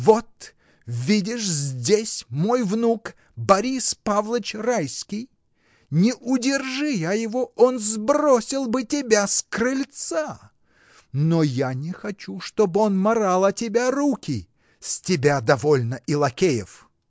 Вот, видишь, здесь мой внук, Борис Павлыч Райский: не удержи я его, он сбросил бы тебя с крыльца, но я не хочу, чтоб он марал о тебя руки, — с тебя довольно и лакеев!